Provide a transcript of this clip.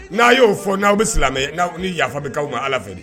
N'a y'o fɔ n'aw bɛ silamɛ n' ni yafa bɛ'aw ma ala fɛ